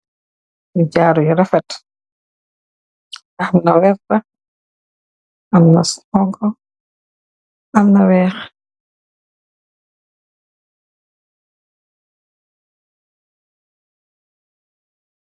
Aye jaru yu rafet: Amna werta, Amna hongha, Amna wehh